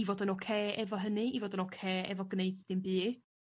i fod yn ocê efo hynny i fod yn ocô efo gneud dim byd.